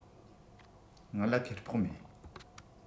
ང ལ ཁེ སྤོགས མེད